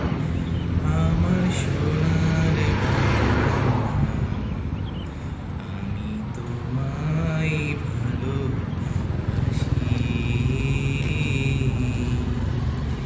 আমার সোনার বাংলা আমি তোমায় ভালোবাসি